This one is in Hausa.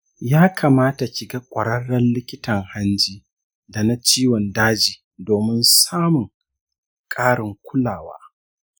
ya kamata kiga kwararren likitan hanji dana ciwon daji domin samun karin kulawa.